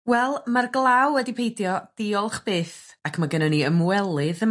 Wel ma'r glaw wedi peidio diolch byth ac ma' gynnon ni ymwelydd ym...